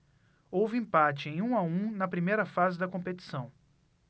houve empate em um a um na primeira fase da competição